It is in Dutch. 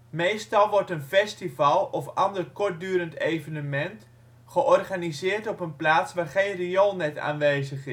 Meestal wordt een festival of ander kortdurend evenement georganiseerd op een plaats waar geen rioolnet aanwezig